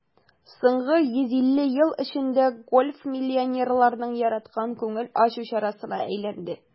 Соңгы 150 ел эчендә гольф миллионерларның яраткан күңел ачу чарасына әйләнде.